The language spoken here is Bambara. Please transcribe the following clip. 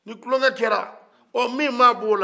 ni tulonkɛ kɛra ɔ min mana bɔ o la